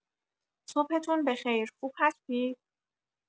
صبحتون به خیر، خوب هستید؟